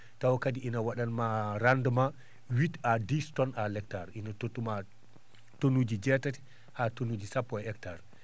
tawa kadi ina waɗatma rendement huit à dix tonnes à l' hectare ina tottuma tonnes uji jeetati haa tonnes uji sappo e hectare